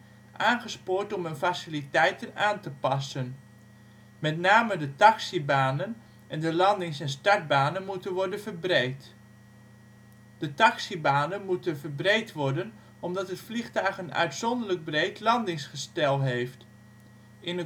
aangespoord om hun faciliteiten aan te passen. Met name de taxibanen, en de landings - en startbanen moeten worden verbreed. De taxibanen moeten verbreed worden omdat het vliegtuig een uitzonderlijk breed landingsgestel heeft, in